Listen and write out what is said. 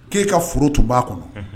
K'e ka foro tun b'a kɔnɔ, unhun.